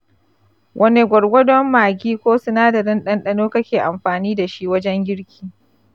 wane gwargwadon maggi ko sinadarin ɗandano kake amfani da shi wajen girki?